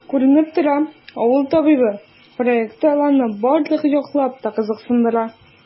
Күренеп тора,“Авыл табибы” проекты аларны барлык яклап та кызыксындыра.